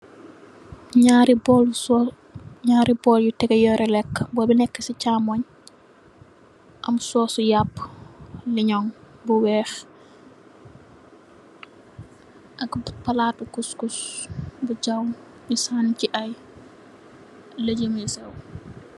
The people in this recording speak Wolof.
Ñaari bóóli sóós, ñaari bool yu tegeh yoré lekka , bóól bu nekka ci caaymoy am suusu yapú leñog bu wèèx ak palatu kuss kuss bu jaw ñi san ni ci lajum yu séw .